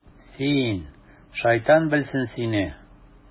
Син, шайтан белсен сине...